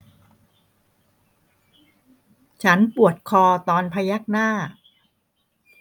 ฉันปวดคอตอนพยักหน้า